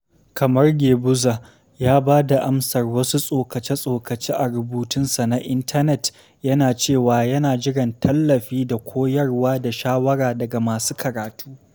Kamar Guebuza ya ba da amsar wasu tsokace-tsokace a rubutunsa na intanet, yana cewa yana jiran 'tallafi da koyarwa da shawara daga masu karatu'.